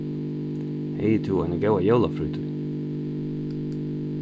hevði tú eina góða jólafrítíð